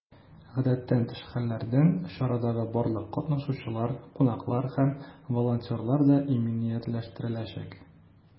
Гадәттән тыш хәлләрдән чарадагы барлык катнашучылар, кунаклар һәм волонтерлар да иминиятләштереләчәк.